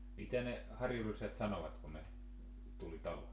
mitä ne harjuryssät sanoivat kun ne tuli taloon